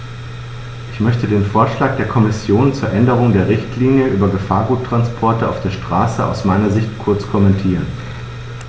Ich möchte den Vorschlag der Kommission zur Änderung der Richtlinie über Gefahrguttransporte auf der Straße aus meiner Sicht kurz kommentieren.